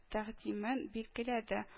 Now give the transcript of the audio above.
Тәкъдимен билгеләде